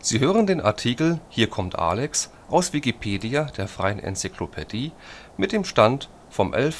Sie hören den Artikel Hier kommt Alex, aus Wikipedia, der freien Enzyklopädie. Mit dem Stand vom Der